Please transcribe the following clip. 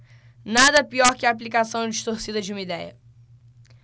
nada pior que a aplicação distorcida de uma idéia